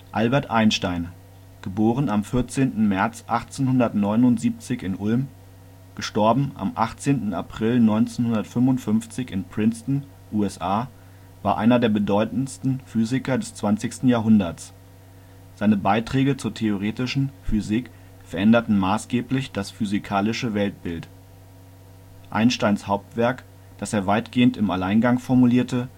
Albert Einstein (* 14. März 1879 in Ulm; † 18. April 1955 in Princeton, USA) war einer der bedeutendsten Physiker des 20. Jahrhunderts. Seine Beiträge zur theoretischen Physik veränderten maßgeblich das physikalische Weltbild. Einsteins Hauptwerk, das er weitgehend im Alleingang formulierte